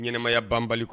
Ɲɛnɛmaya ban bali